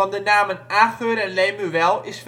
de namen Agur en Lemuel is